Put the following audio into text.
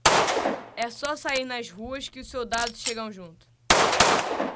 é só sair nas ruas que os soldados chegam junto